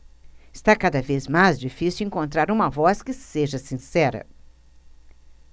está cada vez mais difícil encontrar uma voz que seja sincera